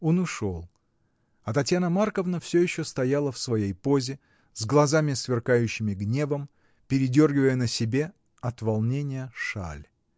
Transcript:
Он ушел, а Татьяна Марковна всё еще стояла в своей позе, с глазами, сверкающими гневом, передергивая на себе, от волнения, шаль.